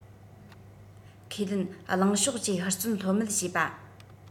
ཁས ལེན གླིང ཕྱོགས ཀྱིས ཧུར བརྩོན ལྷོད མེད བྱས པ